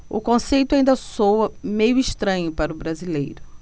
o conceito ainda soa meio estranho para o brasileiro